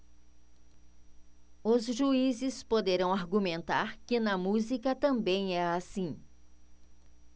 os juízes poderão argumentar que na música também é assim